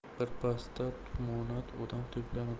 birpasda tumonat odam to'planibdi